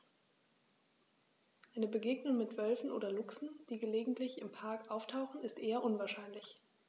Eine Begegnung mit Wölfen oder Luchsen, die gelegentlich im Park auftauchen, ist eher unwahrscheinlich.